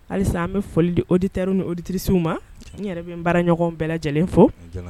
Halisa an bɛ foli di oditeurs ni oditrices ma n yɛrɛ bɛ baaraɲɔgɔn bɛɛ lajɛlen fo